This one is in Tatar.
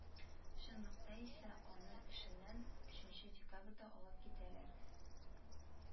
Чынлыкта исә аны эшеннән өченче декабрьдә алып китәләр